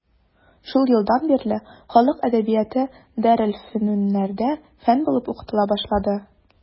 Шул елдан бирле халык әдәбияты дарелфөнүннәрдә фән булып укыла башланды.